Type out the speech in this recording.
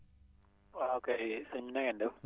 waaw kay sëñ bi na ngeen def